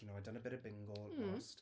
you know, I done a bit of bingo... Mm ...lost.